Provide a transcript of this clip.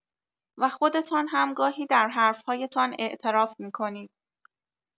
و خودتان هم گاهی در حرف‌هایتان اعتراف می‌کنید!